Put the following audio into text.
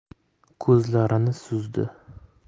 ko'zlarini suzdi